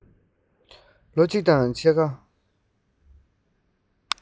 ལོ གཅིག དང ཕྱེད ཀ